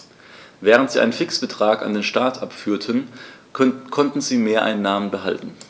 Während sie einen Fixbetrag an den Staat abführten, konnten sie Mehreinnahmen behalten.